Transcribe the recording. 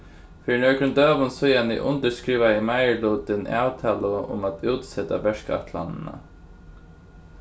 fyri nøkrum døgum síðani undirskrivaði meirilutin avtalu um at útseta verkætlanina